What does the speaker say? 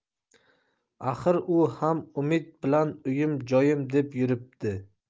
axir u ham umid bilan uyim joyim deb yuribdi